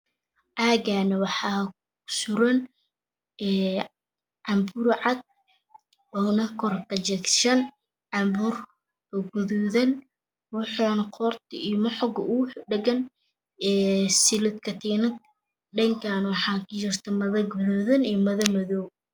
Cagaan wax ku suran canbuur cad oo ne kor ka jeksan canbuur oo gadudan wuxuna qorta iyo mo xoga ugu dhagan Een silid katiinad dhankan wax ka jirto Maro gadudan iyo Maro madow